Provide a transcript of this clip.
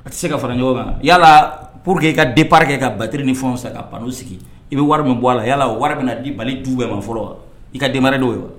A tɛ se ka fara ɲɔgɔn ma yalala pour que i ka den pake ka batiriri ni fɔ sa ka pan' sigi i bɛ wari min bɔ a la yala wari bɛna na di bali du bɛɛ ma fɔlɔ wa i ka den wɛrɛ dɔw ye wa